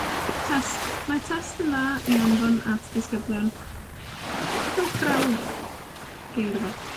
Test. Mae Test yn dda i anfon at ddisgyblion, fel prawf, geirfa.